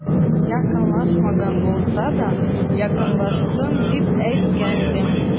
Якынлашмаган булса да, якынлашсын, дип әйткән идем.